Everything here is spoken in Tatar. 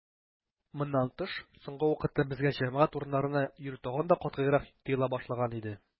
Моннан тыш, соңгы вакытта безгә җәмәгать урыннарына йөрү тагын да катгыйрак тыела башлаган иде.